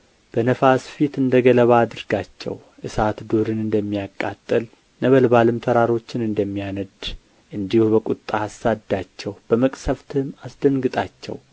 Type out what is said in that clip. በነፋስ ፊትም እንደ ገለባ አድርጋቸው እሳት ዱርን እንደሚያቃጥል ነበልባልም ተራሮች እንደሚያነድድ እንዲሁ በቍጣህ አሳድዳቸው በመቅሠፍትህም አስደንግጣቸው